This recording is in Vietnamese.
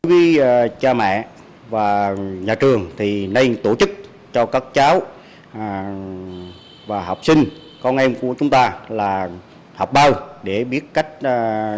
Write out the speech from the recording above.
với ba cha mẹ và nhà trường thì nên tổ chức cho các cháu hà và học sinh con em của chúng ta là học bơi để biết cách là